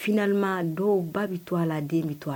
Finalement a dɔw Ba bɛ to a la den bɛ to a la